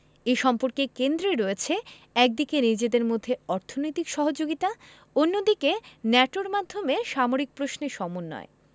এই সম্পর্কের কেন্দ্রে রয়েছে একদিকে নিজেদের মধ্যে অর্থনৈতিক সহযোগিতা অন্যদিকে ন্যাটোর মাধ্যমে সামরিক প্রশ্নে সমন্বয়